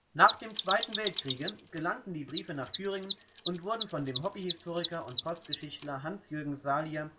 Nach dem Zweiten Weltkrieg gelangten die Briefe nach Thüringen und wurden von dem Hobbyhistoriker und Postgeschichtler Hans-Jürgen Salier